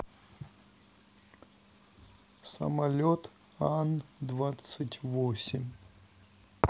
самолет ан двадцать восемь